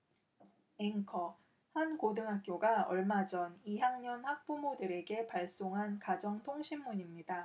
앵커 한 고등학교가 얼마 전 이 학년 학부모들에게 발송한 가정통신문입니다